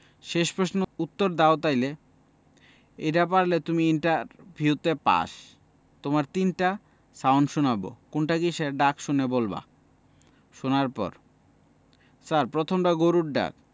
শেষ প্রশ্নের উত্তর দাও তাইলে এইডা পারলে তুমি ইন্টার ভিউতে পাস তোমার তিনটা সাউন্ড শোনাবো কোনটা কিসের ডাক শুনে বলবা... শোনার পর ছার প্রথমডা গরুর ডাক